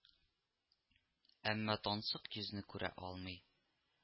Әмма тансык йөзне күрә алмый